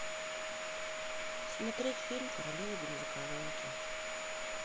смотреть фильм королева бензоколонки